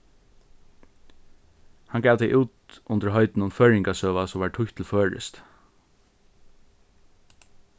hann gav tey út undir heitinum føroyingasøga sum varð týtt til føroyskt